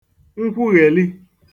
nkwughèli